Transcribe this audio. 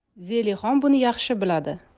zelixon buni yaxshi biladi